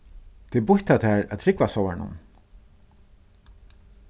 tað er býtt av tær at trúgva sovorðnum